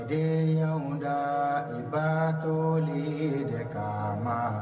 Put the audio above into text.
Den da i batɔ le de kama